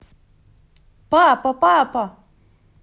папа папа